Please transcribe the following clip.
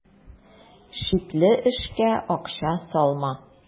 Шикле эшкә акча салма.